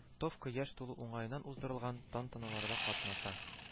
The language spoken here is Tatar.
Товка яшь тулу уңаеннан уздырылган тантаналарда катнаша,